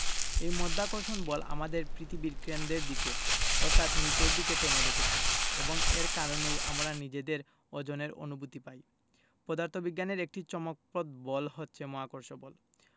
এই মধ্যাকর্ষণ বল আমাদের পৃথিবীর কেন্দের দিকে অর্থাৎ নিচের দিকে টেনে রেখেছে এবং এর কারণেই আমরা নিজেদের ওজনের অনুভূতি পাই পদার্থবিজ্ঞানের একটি চমকপ্রদ বল হচ্ছে মহাকর্ষ বল